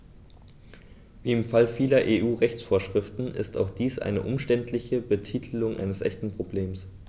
Wie im Fall vieler EU-Rechtsvorschriften ist auch dies eine umständliche Betitelung eines echten Problems.